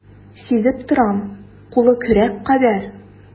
Сизеп торам, кулы көрәк кадәр.